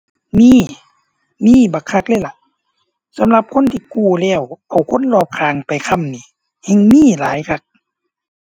มี มีบักคักเลยล่ะ สำหรับคนที่กู้แล้ว เอาคนรอบข้างไปค้ำนี่ แฮ่งมีหลายคัก